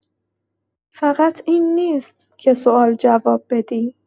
فقط این نیست که سوال جواب بدی.